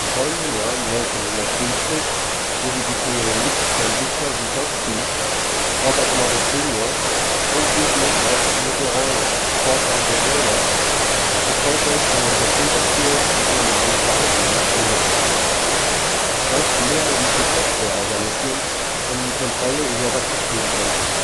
folgenden Jahr 1950 wurde die Theorie von Victor Vyssotsky, Robert Morris Sr. und Doug McIlroy, Forscher der Bell Labs, erfolgreich in ein Computerspiel mit dem Namen Darwin umgesetzt. Zwei Spieler ließen Software-Organismen um die Kontrolle über das System kämpfen